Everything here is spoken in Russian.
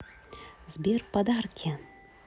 сбер подарки